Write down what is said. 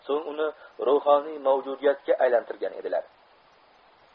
so'ng uni ruhoniy mavjudiyatga aylantirgan edilar